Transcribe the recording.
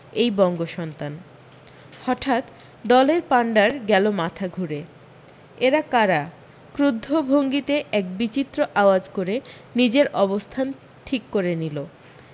এই বঙ্গসন্তান হঠাত দলের পাণ্ডার গেল মাথা ঘুরে এরা কারা ক্রূদ্ধ ভঙ্গিতে এক বিচিত্র আওয়াজ করে নিজের অবস্থান ঠিক করে নিলো